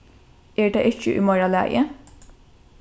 er tað ikki í meira lagi